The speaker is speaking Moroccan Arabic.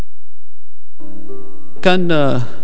كان